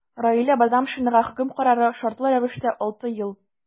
Раилә Бадамшинага хөкем карары – шартлы рәвештә 6 ел.